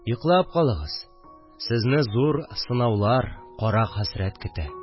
Йоклап калыгыз, сезне зур сынаулар, кара хәсрәт көтә